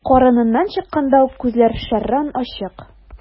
Карыныннан чыкканда ук күзләр шәрран ачык.